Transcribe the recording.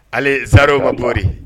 Ale zanariw ma moriri